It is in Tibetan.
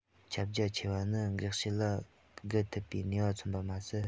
ཁྱབ རྒྱ ཆེ བ ནི གེགས བྱེད ལ བརྒལ ཐུབ པའི ནུས པ མཚོན པ མ ཟད